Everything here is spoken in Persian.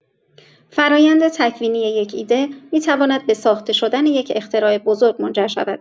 فرآیند تکوینی یک ایده می‌تواند به ساخته‌شدن یک اختراع بزرگ منجر شود.